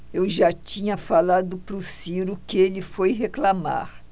eu já tinha falado pro ciro que ele foi reclamar